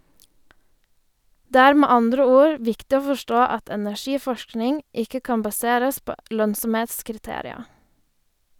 Det er med andre ord viktig å forstå at energiforskning ikke kan baseres på lønnsomhetskriteria.